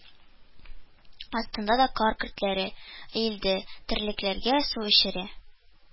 Астында да кар көртләре өелде, терлекләргә су эчәрә